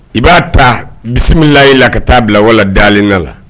I b'a ta bisimilalayi la ka taa bila wala la dakala la